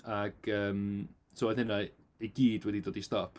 Ac yym so oedd hynna i gyd wedi dod i stop.